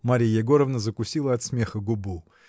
Марья Егоровна закусила от смеха губу.